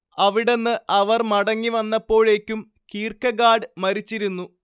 അവിടന്ന് അവർ മടങ്ങി വന്നപ്പോഴേക്കും കീർക്കെഗാഡ് മരിച്ചിരുന്നു